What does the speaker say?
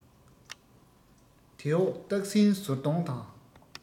དེ འོག སྟག སྲིང ཟོར གདོང དང